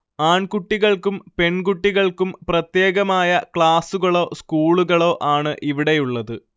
ആൺകുട്ടികൾക്കും പെൺകുട്ടികൾക്കും പ്രത്യേകമായ ക്ലാസുകളോ സ്കൂളുകളോ ആണ് ഇവിടെയുള്ളത്